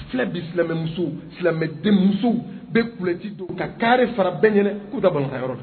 Filɛ bi silamɛmusow silamɛdenmusow be culotte don ka carré fara bɛɛ ɲɛnɛ k'u be taa ballon tan yɔrɔ la